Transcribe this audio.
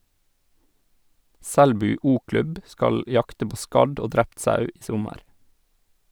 Selbu o-klubb skal jakte på skadd og drept sau i sommer.